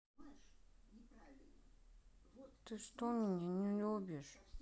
ты что меня не любишь